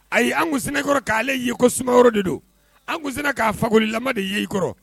Ayi an kun sina i kɔrɔ kale ye ko sumaworo de don. An kun sina ka fakolilaman de yi kɔrɔ